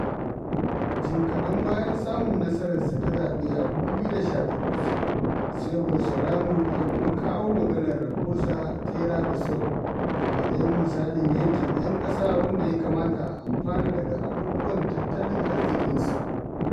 Jim kaɗan bayan samun nasararsa ta zaɓe a 2018, sai Bolsorano ya kuma kawo maganar Raposa Terra do Sol a matsayin misalin yankin 'yan ƙasa wanda ya kamata a amfana daga abubuwan tattalin arziƙinsu.